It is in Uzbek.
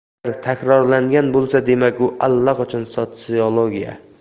agar takrorlangan bo'lsa demak u allaqachon sotsiologiya